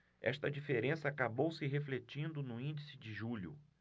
esta diferença acabou se refletindo no índice de julho